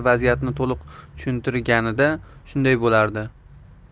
vaziyatni to'liq tushuntirganida shunday bo'lardi